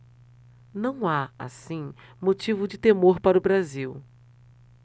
não há assim motivo de temor para o brasil